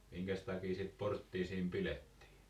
minkäs takia sitä porttia siinä pidettiin